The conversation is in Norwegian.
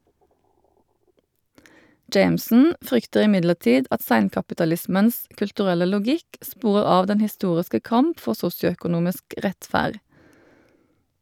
Jameson frykter imidlertid at seinkapitalismens kulturelle logikk sporer av den historiske kamp for sosioøkonomisk rettferd.